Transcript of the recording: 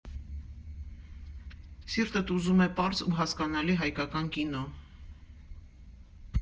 Սիրտդ ուզում է պարզ ու հասկանալի հայկական կինո։